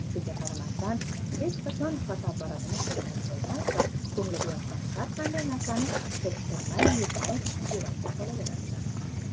shunga qaramasdan hech qachon fotoapparatini qo'lidan qo'ymas va ko'ngliga yoqqan har qanday narsani surishtirmay netmay suratga olaverar edi